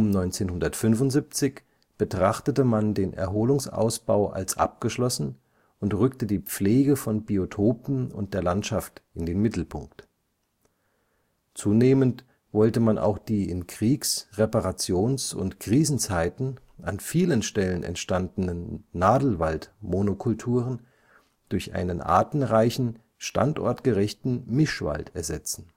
1975 betrachtete man den Erholungsausbau als abgeschlossen und rückte die Pflege von Biotopen und der Landschaft in den Mittelpunkt. Zunehmend wollte man auch die in Kriegs -, Reparations - und Krisenzeiten an vielen Stellen entstandenen Nadelwald-Monokulturen durch einen artenreichen, standortgerechten Mischwald ersetzen